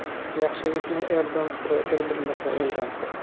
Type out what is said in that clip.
yaxshilikni erdan so'ra er bilmasa eldan so'ra